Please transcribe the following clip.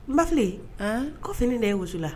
Bafi ko fini de ye wula